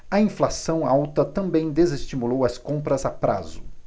a inflação alta também desestimulou as compras a prazo